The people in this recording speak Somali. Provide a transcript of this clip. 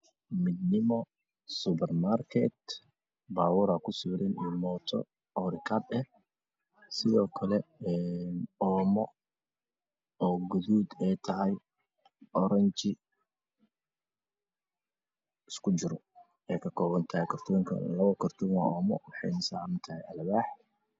Midnimo subar market baabuur aa ku sawiran io mooto oo rakaab ah sidoo kale oomo oo gaduud tahay oranji isku jira lab kartoon oo ooma ah waxayna saran tahay alwaax